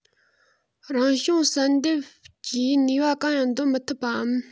རང བྱུང བསལ འདེམས ཀྱིས ནུས པ གང ཡང འདོན མི ཐུབ པའམ